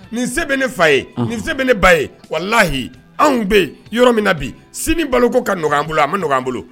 Nin se bɛ ne fa ye nin se bɛ ne ba ye wala lahi anw bɛ yen yɔrɔ min bi sini balo ko ka ɲɔgɔn an bolo an bɛ ɲɔgɔnan bolo